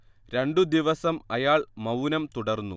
രണ്ടു ദിവസം അയാൾ മൗനം തുടർന്നു